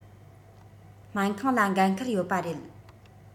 སྨན ཁང ལ འགན ཁུར ཡོད པ རེད